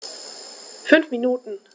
5 Minuten